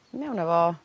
mewn â fo